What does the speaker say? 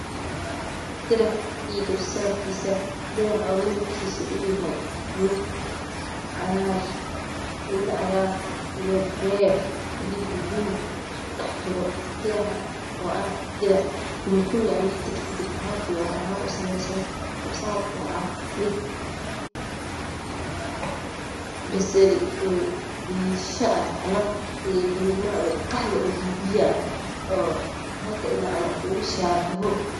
Didarac iyo gabsaarkiisa diraca oo midabkiisuyahay mid cagaar iyo beer iyo buluugg isugu dhaxjiro diracoo ah kumi kumi ama xidig xidhig dabsaarkoo ah mid basali ah qakhwe oo bibiya ah